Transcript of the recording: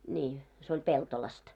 niin se oli Peltolasta